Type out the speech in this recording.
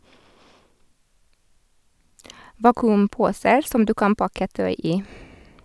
- Vakuumposer som du kan pakke tøy i.